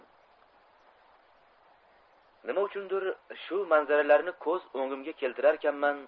nima uchundir shu manzaralarni ko'z o'ngimga keltirarkanman